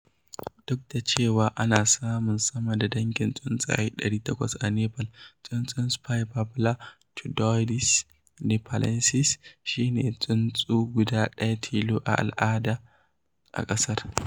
Duk da cewa ana samun sama da dangin tsuntsaye 800 a Nepal, tsuntsun Spiny Babbler (Turdoides nipalensis) shi ne tsuntsu guɗa ɗaya tilo na al'ada a ƙasar.